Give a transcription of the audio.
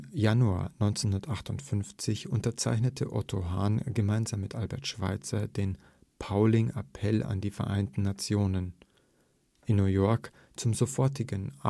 Januar 1958 unterzeichnete Otto Hahn gemeinsam mit Albert Schweitzer den „ Pauling-Appell an die Vereinten Nationen “in New York zum „ sofortigen